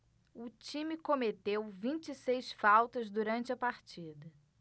o time cometeu vinte e seis faltas durante a partida